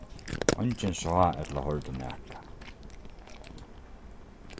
eingin sá ella hoyrdi nakað